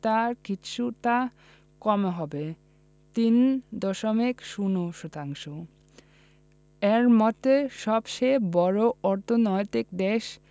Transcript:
তা কিছুটা কমে হবে ৩.০ শতাংশ এর মধ্যে সবচেয়ে বড় অর্থনৈতিক দেশ